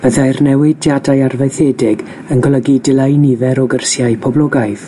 Byddai'r newidiadau arfaethiedig yn golygu dileu nifer o gyrsiau poblogaidd,